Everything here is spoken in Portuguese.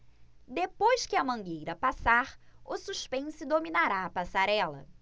depois que a mangueira passar o suspense dominará a passarela